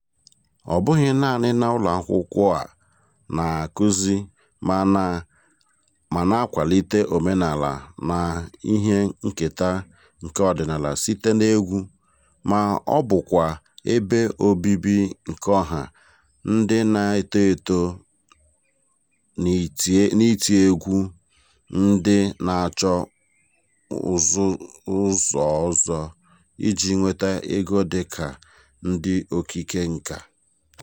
Ọ bụghị naanị na ụlọakwụkwọ a na-akụzi ma na-akwalite omenaala na ihe nketa nke ọdịnala site n'egwu, ma ọ bụkwa ebe obibi nke ọha ndị na-eto eto n'iti egwu ndị na-achọ ụzọ ọzọ iji nweta ego dị ka ndị okike nkà.